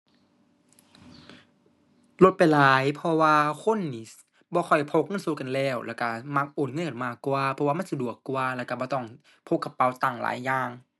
ลดไปหลาย เพราะว่าคนนี่ บ่ค่อยพกเงินสดกันแล้ว แล้วก็มักโอนเงินกันมากกว่า เพราะว่ามันสะดวกกว่า แล้วก็บ่ต้องพกกระเป๋าตังหลายอย่าง